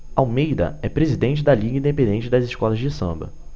almeida é presidente da liga independente das escolas de samba